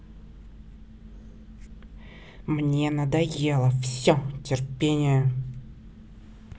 мне надоело все терпение